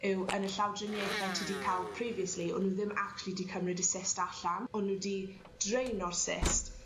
yw yn y llawdriniaethau ti 'di ca'l previously o' nw ddim actually 'di cymryd y cyst allan o'n n'w 'di draino'r cyst